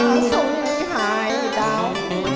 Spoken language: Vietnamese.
xôi hải đảo